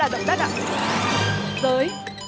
là động đất ạ với